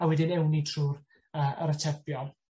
A wedyn ewn ni trw'r yy yr atebion.